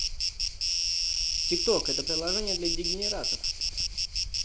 tiktok это приложение для дегенератов